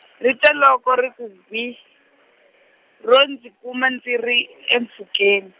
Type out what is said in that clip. ri te loko ri ku gwiii, ro ndzi kuma ndzi ri , emimpfhukeni.